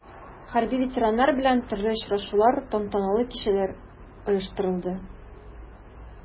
Хәрби ветераннар белән төрле очрашулар, тантаналы кичәләр оештырылды.